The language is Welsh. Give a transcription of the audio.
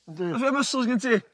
Yndi. muscles gen ti?